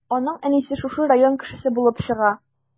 Аның әнисе шушы район кешесе булып чыга.